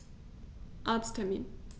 Arzttermin